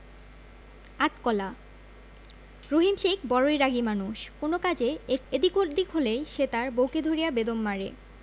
আট কলা রহিম শেখ বড়ই রাগী মানুষ কোনো কাজে একটু এদিক ওদিক হইলেই সে তার বউকে ধরিয়া বেদম মারে